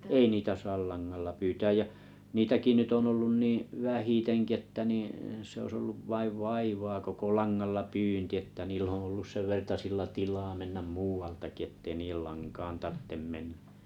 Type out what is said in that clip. ei niitä saa langalla pyytää ja niitäkin nyt on ollut niin vähitenkin että niin se olisi ollut vain vaivaa koko langalla pyynti että niillä on ollut senvertaisilla tilaa mennä muualtakin että ei niiden lankaan tarvitse mennä